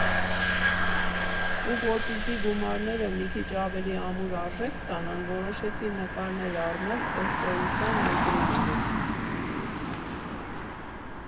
Ու որպեսզի գումարները մի քիչ ավելի ամուր արժեք ստանան, որոշեցի նկարներ առնել, ըստ էության՝ ներդրում արեցի։